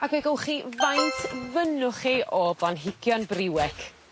ag fe gowch chi faint fynnwch chi o blanhigion Briwec.